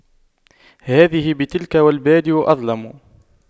هذه بتلك والبادئ أظلم